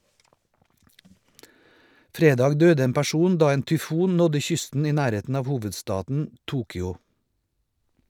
Fredag døde en person da en tyfon nådde kysten i nærheten av hovedstaden Tokyo.